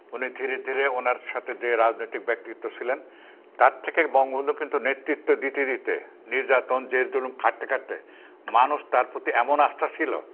উনি ধীরে ধীরে উনার সাথে যে রাজনৈতিক ব্যক্তিত্ব ছিলেন তার থেকে বঙ্গবন্ধু কিন্তু নেতৃত্ব দিতে দিতে নির্যাতন জেল-জুলুম খাটতে খাটতে মানুষ তার প্রতি এমন আস্থা ছিল